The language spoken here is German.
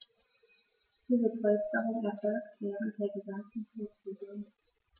Diese Polsterung erfolgt während der gesamten Brutsaison.